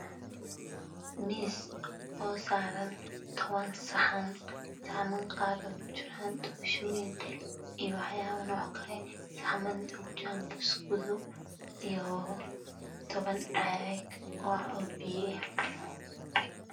Miis saaran saxan doorshooyin buskud saxamn ku jiraa caag oo biyo ah